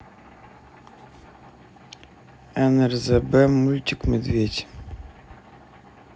нрзб мультик медведь